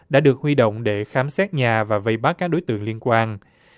đã được huy động để khám xét nhà và vây bắt các đối tượng liên quan